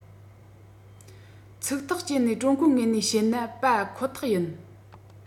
ཚིག ཐག བཅད ནས ཀྲུང གོའི ངོས ནས བཤད ན པ ཁོ ཐག ཡིན